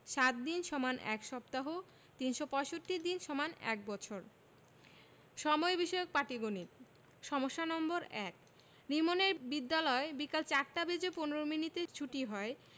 ৭ দিন = ১ সপ্তাহ ৩৬৫ দিন = ১বছর সময় বিষয়ক পাটিগনিত সমস্যা নম্বর ১ রিমনের বিদ্যালয় বিকাল ৪ টা বেজে ১৫ মিনিটে ছুটি হয়